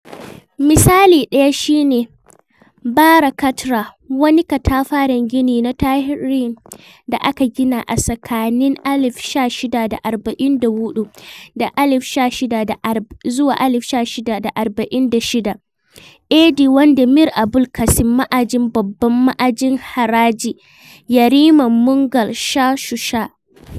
Misali ɗaya shi ne Bara Katra, wani katafaren gini na tarihi da aka gina a tsakanin 1644 da 1646 AD wanda Mir Abul ƙasim, ma'ajin (babban ma'ajin haraji) yariman Mughal Shah Shuja.